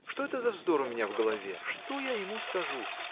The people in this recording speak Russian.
что это за вздор у меня в голове? Что я ему скажу?